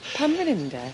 Pam fyn 'yn de?